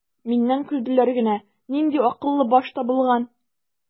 Миннән көлделәр генә: "Нинди акыллы баш табылган!"